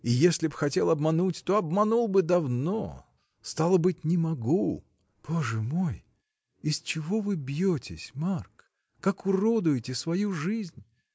И если б хотел обмануть, то обманул бы давно — стало быть, не могу. — Боже мой! Из чего вы бьетесь, Марк? Как уродуете свою жизнь!